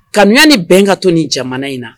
Kabiniya ni bɛn ka to nin jamana in na